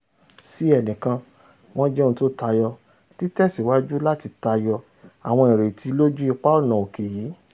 Sí ẹnìkan, wọ́n j̇ẹ́ ohun tó tayọ, títẹ̀síwájú láti tayọ àwọn ìrètí lójú ipa ọ̀nà òké yìí.